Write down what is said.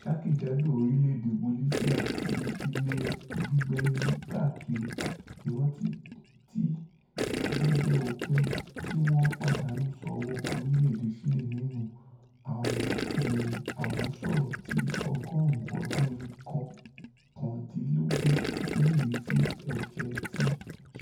Jákè-jádò orílẹ̀-èdè Bolifia tí ilẹ̀ gbígbẹ yí káàkiri, ìrántí ti bèbè òkun tíwọ́n pàdánù sọ́wọ́ orílẹ̀-èdè Ṣílè nínú aáwọ̀ ohun àmúṣọrọ̀ ti ọgọ́ọ̀rún ọdún ìkọkàndínlógún nínú èyití ẹ̀jẹ̀ ti